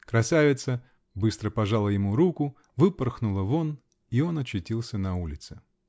Красавица быстро пожала ему руку, выпорхнула вон -- и он очутился на улице.